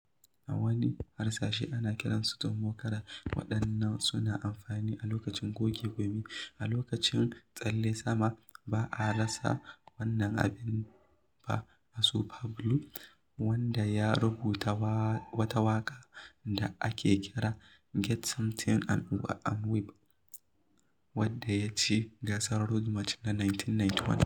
Ya amsa manufar a 'yan shekaru da "Bacchanal Time", a cikin wadda ya ba wa masu wasa umarnin su "fara motsawa" a lokacin da ɓangaren kiɗan ya yi daidai da kiɗan "F-jam" ko "tantana" daga ƙasa-ƙasa.